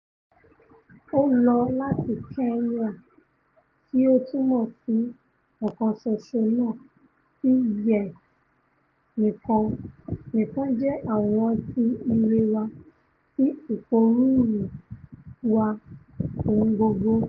Ó lọ láti Kanye, tí ó túmọ̀ sí ọ̀kan ṣoṣo náà, sí Ye nìkan - nìkan jẹ́ àwòrán ti ire wa, ti ìpòrúùru wa, ohun gbogbo.